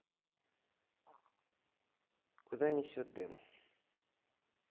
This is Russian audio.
куда несет дым